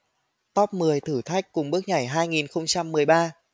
top mười thử thách cùng bước nhảy hai nghìn không trăm mười ba